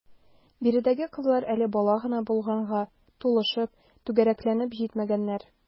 Биредәге кызлар әле бала гына булганга, тулышып, түгәрәкләнеп җитмәгәннәр.